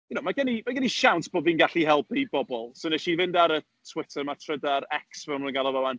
You know mae gen i mae gen i siawns bo' fi'n gallu helpu bobl. So, wnes i fynd ar y Twitter 'ma, trydar, X fel maen nhw'n galw fo 'wan.